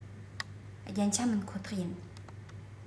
རྒྱན ཆ མིན ཁོ ཐག ཡིན